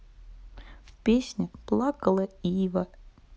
песня плакала ива